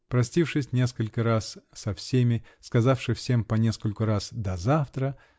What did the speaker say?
Простившись несколько раз со всеми, сказавши всем по нескольку раз: до завтра!